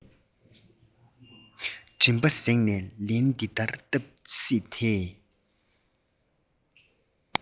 མགྲིན པ གཟེངས ནས ལན འདི ལྟར བཏབ སྲིད དེ